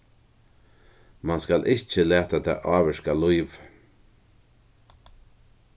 mann skal ikki lata tað ávirka lívið